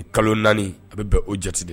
Nin kalo naani in, a bɛ bɛn o jate de ma